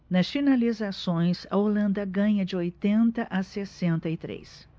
nas finalizações a holanda ganha de oitenta a sessenta e três